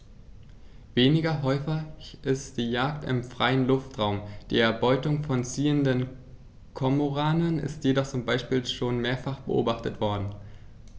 Weniger häufig ist die Jagd im freien Luftraum; die Erbeutung von ziehenden Kormoranen ist jedoch zum Beispiel schon mehrfach beobachtet worden.